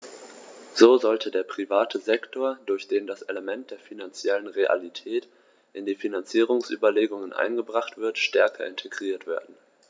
So sollte der private Sektor, durch den das Element der finanziellen Realität in die Finanzierungsüberlegungen eingebracht wird, stärker integriert werden.